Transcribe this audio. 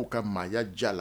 U ka maaya ja la